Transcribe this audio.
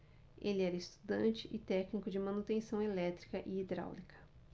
ele era estudante e técnico de manutenção elétrica e hidráulica